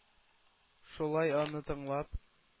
Шулай аны тыңлап,